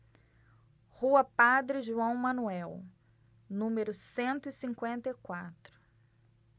rua padre joão manuel número cento e cinquenta e quatro